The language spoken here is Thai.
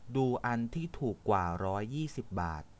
ดูอันที่ถูกกว่าร้อยยี่สิบบาท